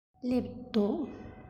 སླེབས འདུག